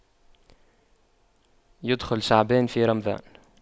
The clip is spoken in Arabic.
يُدْخِلُ شعبان في رمضان